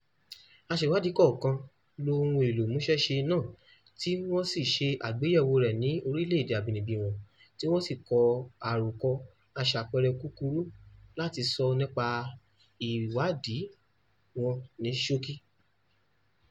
Aṣèwádìí kọ̀ọ̀kan lo ohun èlò ìmúṣẹ́ṣe náà tí wọ́n sì ṣe àgbéyẹ̀wò rẹ̀ ní orílẹ̀-èdè àbínibí wọn, tí wọ́n sì kọ àròkọ aṣàpẹẹrẹ kúkúrú láti sọ nípa ìwádìí wọn ní ṣókí.